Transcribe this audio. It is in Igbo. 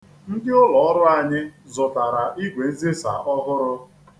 Ndị ụlọọrụ anyị zụtara igwenzisa ọhụrụ.